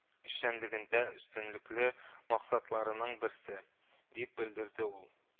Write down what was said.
Эшчәнлегендә өстенлекле максатларының берсе», - дип белдерде ул